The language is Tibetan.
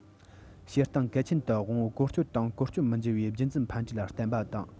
བྱེད སྟངས གལ ཆེན དུ དབང པོ བཀོལ སྤྱོད དང བཀོལ སྤྱོད མི བགྱི བའི རྒྱུད འཛིན ཕན འབྲས ལ བརྟེན པ དང